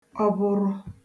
ọ bụrụ